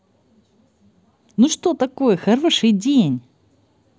ну что такое хороший день